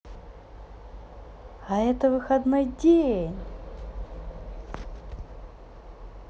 а это выходной день